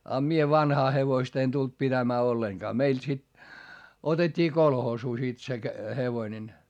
ja minä vanhaa hevosta en tullut pitämään ollenkaan meille sitten otettiin kolhoosiin sitten se hevonen